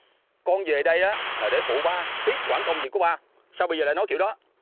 con về đây á là để phụ ba tiếp quản công việc của ba sao bây giờ lại nói kiểu đó